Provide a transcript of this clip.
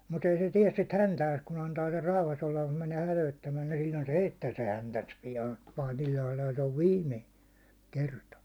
mutta ei se tee sitä häntäänsä kun antaa sen rauhassa olla mutta menee hätyyttämään niin silloin se heittää se häntänsä pian paatin laidalta on viime kerta